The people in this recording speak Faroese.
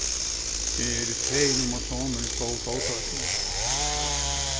eg eri fegin um at sonurin stóð próvtøkuna